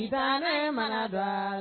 Madon